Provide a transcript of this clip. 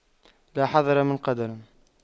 لا حذر من قدر